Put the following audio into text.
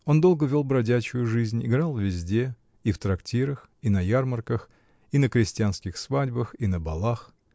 Он долго вел бродячую жизнь, играл везде -- ив трактирах, и на ярмарках, и на крестьянских свадьбах, и на балах